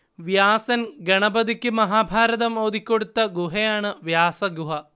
വ്യാസൻ ഗണപതിക്ക് മഹാഭാരതം ഓതിക്കൊടുത്ത ഗുഹയാണ് വ്യാസഗുഹ